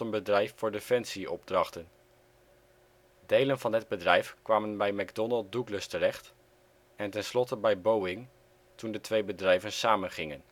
bedrijf voor defensieopdrachten. Delen van het bedrijf kwamen bij McDonnell Douglas terecht, en ten slotte bij Boeing toen de twee bedrijven samengingen